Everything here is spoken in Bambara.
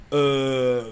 Ɛɛ